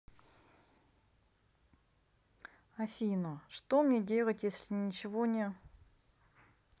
афина что делать если ничего не